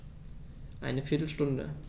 Eine viertel Stunde